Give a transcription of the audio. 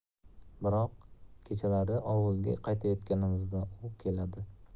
biroq kechalari ovulga qaytayotganimizda u keladi